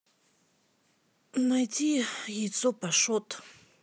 найти яйцо пашот